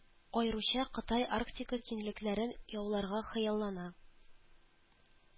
Аеруча Кытай Арктика киңлекләрен яуларга хыяллана